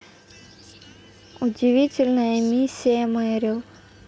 удивительная миссис мерил